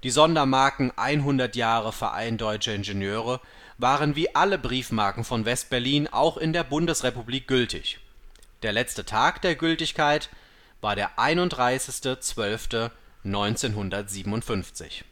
Sondermarken „ 100 Jahre Verein Deutscher Ingenieure (VDI) “waren wie alle Briefmarken von West-Berlin auch in der Bundesrepublik gültig. Der letzte Tag der Gültigkeit war der 31. 12. 1957